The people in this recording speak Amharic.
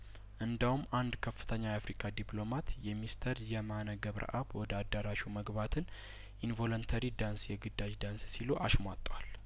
እንደውም አንድ ከፍተኛ የአፍሪካ ዲፕሎማት የሚስተር የማነገብረአብ ወደ አዳራሹ መግባትን ኢን ቮለንተሪ ዳንስ የግዳጅ ዳንስ ሲሉ አሽሟጠዋል